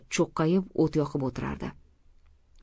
cho'qqayib o't yoqib o'tirardi